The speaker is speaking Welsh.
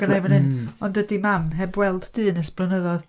Ma gyno'i fo fan hyn: "Ond dydy Mam heb weld dyn ers blynyddodd,"